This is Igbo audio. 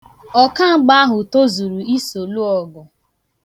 Ọkamgba ahụ tozuru iso lụọ ọgụ.